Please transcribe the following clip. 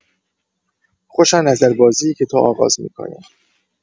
خوشا نظر بازی‌ای که تو آغاز می‌کنی.